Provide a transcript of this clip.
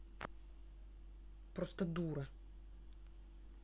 просто дура